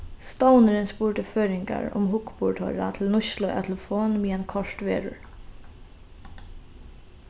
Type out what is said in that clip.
stovnurin spurdi føroyingar um hugburð teirra til nýtslu av telefon meðan koyrt verður